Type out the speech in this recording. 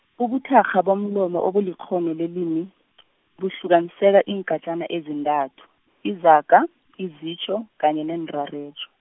ubuthakgha bomlomo obulikghono lelimi , buhlukaniseka iingatjana ezintathu, izaga, izitjho, kanye neenrarejo.